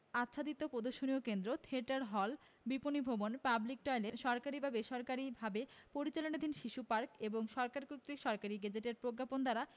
আচ্ছাদিত প্রদর্শনী কেন্দ্র থিয়েটার হল বিপণী ভবন পাবলিক টয়েলেট সরকারী বা বেসরকালিভাবে পরিচালনাধীন শিশু পার্ক এবং সরকার কর্তৃক সরকারী গেজেটে প্রজ্ঞাপন দ্বারা